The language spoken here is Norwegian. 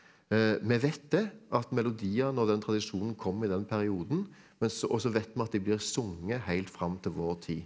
vi vet det at melodiene og den tradisjonen kom i den perioden men så også vet vi at de blir sunget heilt fram til vår tid.